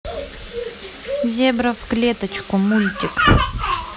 зебра в клеточку мультик